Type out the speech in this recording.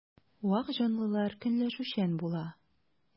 Вак җанлылар көнләшүчән була.